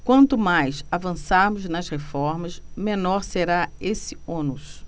quanto mais avançarmos nas reformas menor será esse ônus